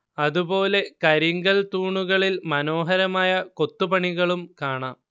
അതുപോലെ കരിങ്കൽ തൂണുകളിൽ മനോഹരമായ കൊത്തുപണികളും കാണാം